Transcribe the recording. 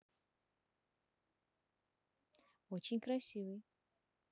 очень красивый